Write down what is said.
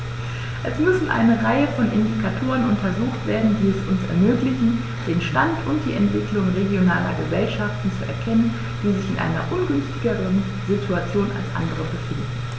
Es müssen eine Reihe von Indikatoren untersucht werden, die es uns ermöglichen, den Stand und die Entwicklung regionaler Gesellschaften zu erkennen, die sich in einer ungünstigeren Situation als andere befinden.